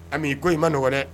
A i ko i maɔgɔn dɛ